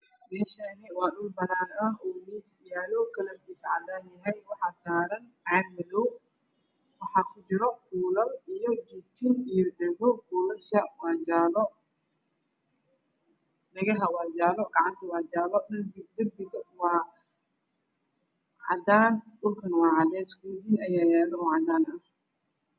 Meeshani waa dhul banan ah miis yaalo waxaa saaran caagad waxaa kujiro biyo dhagaha waa jaalo gacanta waa jaalo dribiga waa cadaan